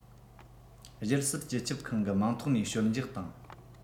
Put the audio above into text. རྒྱལ སྲིད སྤྱི ཁྱབ ཁང གི མིང ཐོག ནས ཞོལ འཇགས བཏང